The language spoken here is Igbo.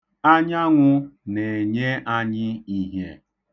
Anyanwụ na-enye anyị ihie.